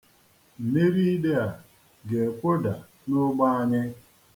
Mmiri ide a ga-ekwoda n'ogbe anyị.